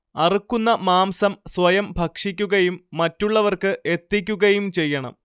അറുക്കുന്ന മാംസം സ്വയം ഭക്ഷിക്കുകയും മറ്റുള്ളവർക്ക് എത്തിക്കുകയും ചെയ്യണം